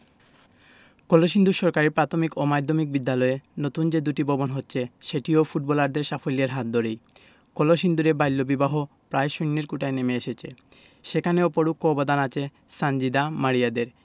কলসিন্দুর সরকারি প্রাথমিক ও মাধ্যমিক বিদ্যালয়ে নতুন যে দুটি ভবন হচ্ছে সেটিও ফুটবলারদের সাফল্যের হাত ধরেই কলসিন্দুরে বাল্যবিবাহ প্রায় শূন্যের কোঠায় নেমে এসেছে সেখানেও পরোক্ষ অবদান আছে সানজিদা মারিয়াদের